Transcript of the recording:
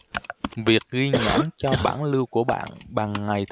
việc ghi nhãn cho bản lưu của bạn bằng ngày